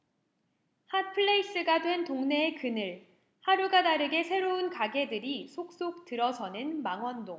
핫 플레이스가 된 동네의 그늘 하루가 다르게 새로운 가게들이 속속 들어서는 망원동